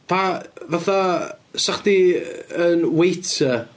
Pa... Fatha 'sech chdi yn waiter...